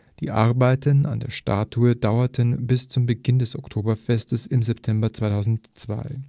Die Arbeiten an der Statue dauerten bis zum Beginn des Oktoberfests im September 2002